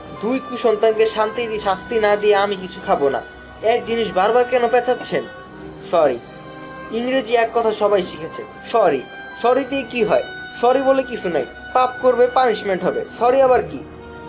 দুই কুসন্তানকে শাস্তি না দিয়ে আমি কিছু খাব না এক জিনিস বারবার কেন পঁাচাচ্ছেন সরি ইংরেজি এক কথা সবাই শিখেছে সরি সরি দিয়ে কী হয় সরি বলে কিছু নাই পাপ করবে পানিশমেন্ট হবে সরি আবার কী